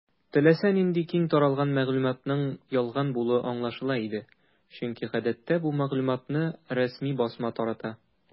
Теләсә нинди киң таралган мәгълүматның ялган булуы аңлашыла иде, чөнки гадәттә бу мәгълүматны рәсми басма тарата.